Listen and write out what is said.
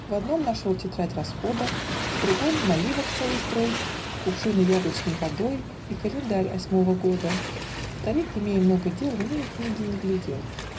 В одном нашел тетрадь расхода, В другом наливок целый строй, Кувшины с яблочной водой И календарь осьмого года: Старик, имея много дел, В иные книги не глядел.